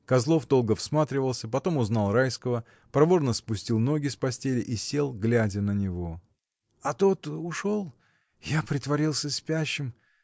Козлов долго всматривался, потом узнал Райского, проворно спустил ноги с постели и сел, глядя на него. — А тот ушел? Я притворился спящим.